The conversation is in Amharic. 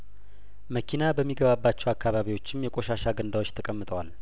መኪና በሚገባባቸው አካባቢዎችም የቆሻሻ ገንዳዎች ተቀምጠዋል